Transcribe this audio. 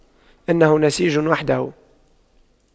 إنه نسيج وحده